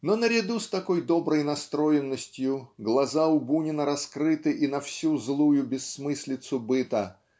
Но наряду с такой доброй настроенностью глаза у Бунина раскрыты и на всю злую бессмыслицу быта